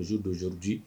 Parcesi donsoodi